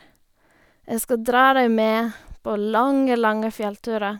Jeg skal dra dem med på lange, lange fjellturer.